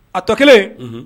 A tɔ kelen